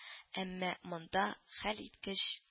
Әмма монда да хәлиткеч